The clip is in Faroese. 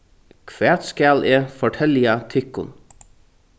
hvat skal eg fortelja tykkum